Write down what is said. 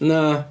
Na.